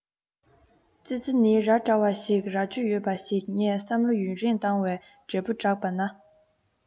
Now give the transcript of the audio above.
ཙི ཙི ནི ར འདྲ བ ཞིག རྭ ཅོ ཡོད པ ཞིག ངས བསམ བློ ཡུན རིང བཏང བའི འབྲས བུ བསྒྲགས པས ན